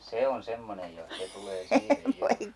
se on semmoinen ja ne tulee siihen jo